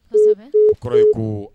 Kɔsɛbɛ, o kɔrɔ ye ko